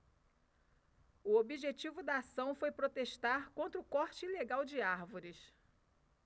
o objetivo da ação foi protestar contra o corte ilegal de árvores